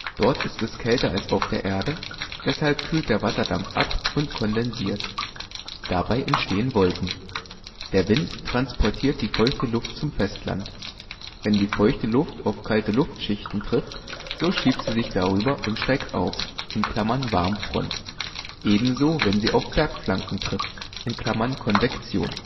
Dort ist es kälter als auf der Erde, deshalb kühlt der Wasserdampf ab und kondensiert. Dabei entstehen Wolken. Der Wind transportiert die feuchte Luft zum Festland. Wenn die feuchte Luft auf kalte Luftschichten trifft, so schiebt sie sich darüber und steigt auf (Warmfront), ebenso wenn sie auf Bergflanken trifft (Konvektion